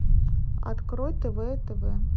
открой тв и тв